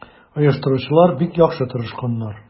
Оештыручылар бик яхшы тырышканнар.